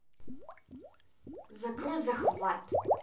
закрой захват